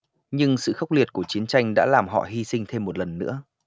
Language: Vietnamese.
nhưng sự khốc liệt của chiến tranh đã làm họ hy sinh thêm một lần nữa